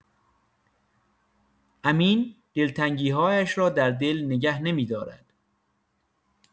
امین دلتنگی‌هایش را در دل نگه نمی‌دارد.